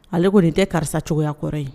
Ale kɔni nin tɛ karisa cogoyaya kɔrɔ ye yen